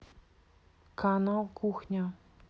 канал кухня